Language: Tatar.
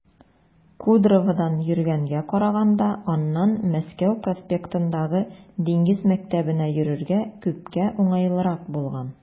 Кудроводан йөргәнгә караганда аннан Мәскәү проспектындагы Диңгез мәктәбенә йөрергә күпкә уңайлырак булган.